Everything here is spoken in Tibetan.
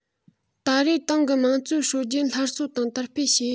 ད རེས ཏང གི དམངས གཙོའི སྲོལ རྒྱུན སླར གསོ དང དར སྤེལ བྱས